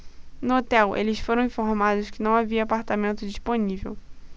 no hotel eles foram informados que não havia apartamento disponível